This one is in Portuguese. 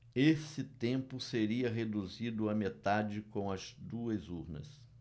esse tempo seria reduzido à metade com as duas urnas